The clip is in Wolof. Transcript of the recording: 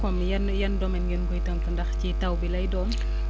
comme yan yan domaines ngeen koy tënk ndax ci taw bi lay doon